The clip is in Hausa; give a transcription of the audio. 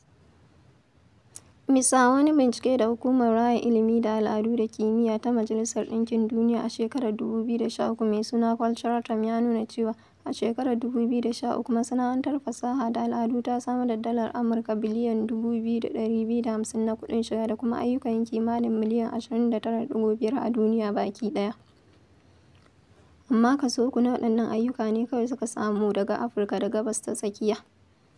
Bisa wani bincike da Hukumar Raya Ilimi da Al'adu da Kimiyya Ta Majalisar ɗinkin Duniya a shekar 2013 mai suna ''Cultural time'' ya nuna cewa, a shekarar 2013, masana'antar fasaha da al'adu ta samar da Dalar Amurka biliyon 2,250 na ƙuɗin shiga da kuma ayyukan yi kimanin miliyon 29.5 a duniya bakiɗaya, amma kaso 3 na waɗannan ayyuka ne kawai suka samu daga Afirka da Gabas Ta Tsakiya.